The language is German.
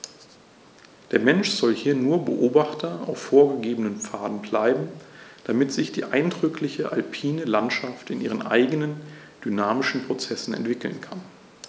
Der Mensch soll hier nur Beobachter auf vorgegebenen Pfaden bleiben, damit sich die eindrückliche alpine Landschaft in ihren eigenen dynamischen Prozessen entwickeln kann.